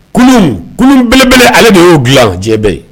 Kunun kunun belebele ale de y'o bila jɛ bɛɛ ye